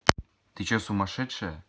ты че сумасшедшая